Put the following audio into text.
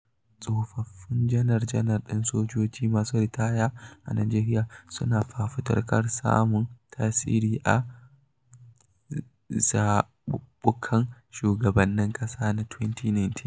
Tsofaffin janar-janar ɗin sojoji masu ritaya a Najeriya suna fafutukar samun tasiri a zaɓuɓɓukan shugabannin ƙasa na 2019